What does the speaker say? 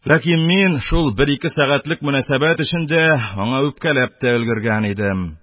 Ләкин мин шул бер-ике сәтатьлек мөнәсәбәт эчендә аңа үпкәләп тә өлгергән идем